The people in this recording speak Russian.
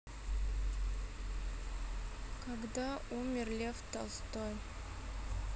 когда умер лев толстой